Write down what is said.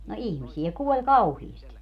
no ihmisiä kuoli kauheasti